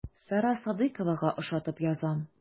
Сара Садыйковага ошатып язам.